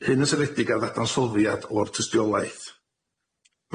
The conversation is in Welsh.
Hyn yn seledig ar ddadansoddiad o'r tystiolaeth.